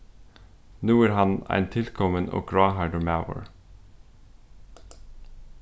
nú er hann ein tilkomin og gráhærdur maður